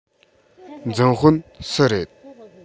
འཛིན དཔོན སུ རེད